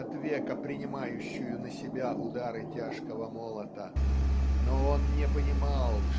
от века принимающую на себя удары тяжкого молота. Но он не понимал